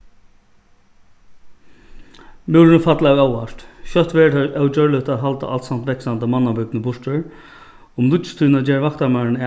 múrurin fall av óvart skjótt verður tað ógjørligt at halda alsamt vaksandi burtur um níggjutíðina ger vaktarmaðurin